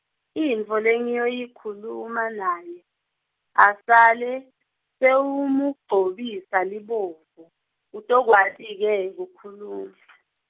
intfo lengiyoyikhuluma naye, asale, sewumugcobisa libovu, utokwati ke, kukhulum-.